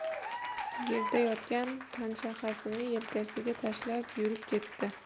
yerda yotgan panshaxasini yelkasiga tashlab yurib ketdi